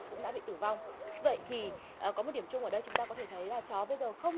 cũng đã bị tử vong vậy thì có một điểm chung ở đây chúng ta có thể thấy là chó bây giờ không